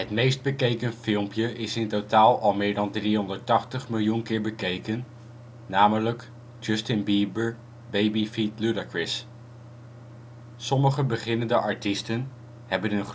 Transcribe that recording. meest bekeken filmpje is in totaal al meer dan 380 miljoen keer bekeken namelijk Justin Bieber - Baby ft. Ludacris. Sommige beginnende artiesten hebben